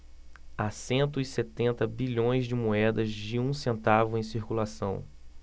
há cento e setenta bilhões de moedas de um centavo em circulação